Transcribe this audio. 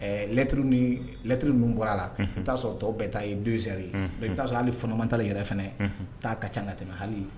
Ɛɛlɛtlɛtri min bɔra a la u'a sɔrɔ tɔ bɛɛ taa ye donsori taa sɔrɔ hali fɔnɔmatali yɛrɛ fana taa ka ca ka tɛmɛ hali